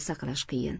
saqlash qiyin